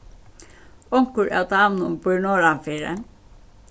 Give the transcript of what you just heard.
onkur av damunum býr norðanfyri